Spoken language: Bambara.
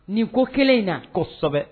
Nin ko kelen in na kosɛbɛ